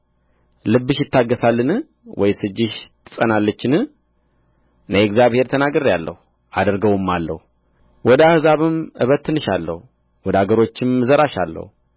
ልብሽ ይታገሣልን ወይስ እጅሽ ትጸናለችን እኔ እግዚአብሔር ተናግሬአለሁ አደርገውማለሁ ወደ አሕዛብም እበትንሻለሁ ወደ አገሮችም እዘራሻለሁ